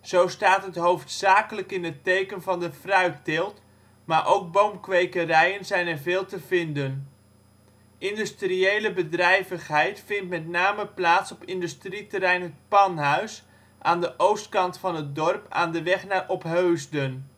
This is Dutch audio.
Zo staat het hoofdzakelijk in het teken van de fruitteelt, maar ook boomkwekerijen zijn er veel te vinden. Industriële bedrijvigheid vindt met name plaats op industrieterrein ' t Panhuis aan de oostkant van het dorp aan de weg naar Opheusden